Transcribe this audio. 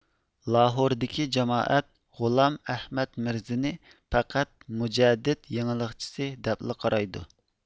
لاھوردىكى جامائەت غۇلام ئەھمەد مىرزىنى پەقەت مۇجەدىد يېڭىلىقچىسى دەپلا قارايدۇ